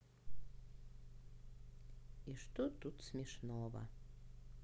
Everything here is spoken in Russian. и что тут смешного